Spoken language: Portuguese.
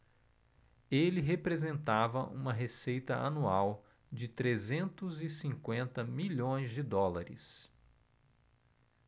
ele representava uma receita anual de trezentos e cinquenta milhões de dólares